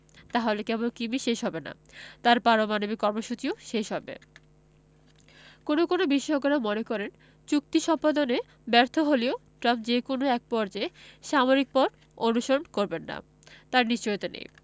তাহলে কেবল কিমই শেষ হবে না তাঁর পারমাণবিক কর্মসূচিও শেষ হবে কোনো কোনো বিশেষজ্ঞেরা মনে করেন চুক্তি সম্পাদনে ব্যর্থ হলে ট্রাম্প যে কোনো একপর্যায়ে সামরিক পথ অনুসরণ করবেন না তার নিশ্চয়তা নেই